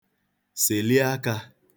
sèli akā